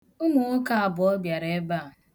Ụmụnwoke abụọ bịara ebe a.